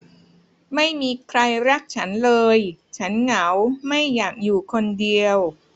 ไม่มีใครรักฉันเลยฉันเหงาไม่อยากอยู่คนเดียว